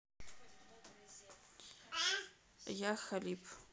jah khalib